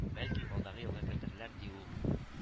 Бәлки алдагы елга кертерләр , ди ул